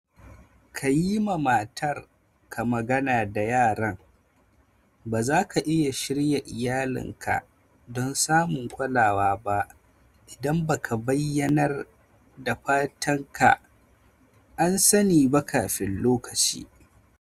Kayi ma matar ka magana da yaran: Bazaka iya shirya iyalin ka don samun kulawa ba idan baka bayyanar da fatan ka an sani ba kafin lokaci.